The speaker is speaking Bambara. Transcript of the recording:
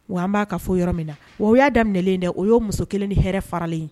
Wa an b'a ka fɔ yɔrɔ min na o y'a daminɛlen dɛ o y'o muso kelen ni hɛra faralen ye.